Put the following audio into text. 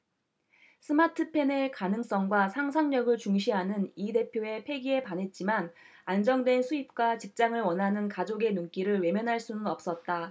스마트펜의 가능성과 상상력을 중시하는 이 대표의 패기에 반했지만 안정된 수입과 직장을 원하는 가족의 눈길을 외면할 수는 없었다